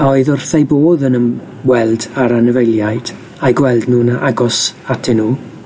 a oedd wrth eu bodd yn ym-weld â'r anifeiliaid e'u gweld nhw'n agos atyn nhw.